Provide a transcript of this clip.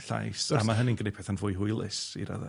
...llais... 'Chos... ...a ma' hynny'n gneud petha'n fwy hwylus i radde.